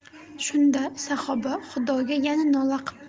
shunda saxoba xudoga yana nola qipti